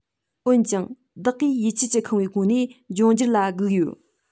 འོན ཀྱང བདག གིས ཡིད ཆེས ཀྱིས ཁེངས པའི སྒོ ནས འབྱུང འགྱུར ལ བསྒུགས ཡོད